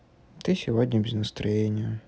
ты сегодня без настроения